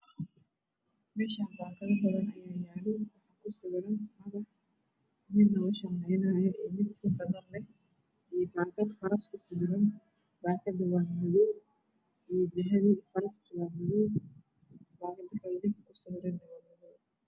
Meeshaan baakado badan ayaa yaalo oo kusawiran nin tin shaleynaayo iyo baakad faras kusawiran. Baakadu waa madow iyo dahabi. Farastana waa madow. Baakada ninku kusawirana waa madow.